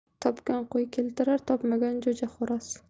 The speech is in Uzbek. topgan qo'y keltirar topmagan jo'jaxo'roz